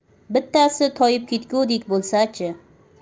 bittasi toyib ketgudek bo'lsachi